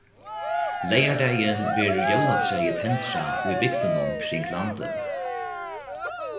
leygardagin verður jólatræið tendrað í bygdunum kring landið